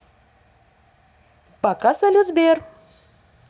пока салют сбер